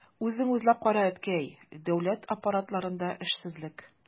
Үзең уйлап кара, әткәй, дәүләт аппаратларында эшсезлек...